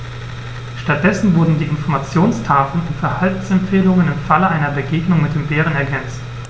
Stattdessen wurden die Informationstafeln um Verhaltensempfehlungen im Falle einer Begegnung mit dem Bären ergänzt.